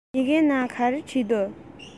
ཡི གེའི ནང ག རེ བྲིས འདུག